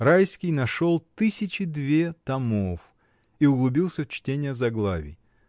Райский нашел тысячи две томов и углубился в чтение заглавий.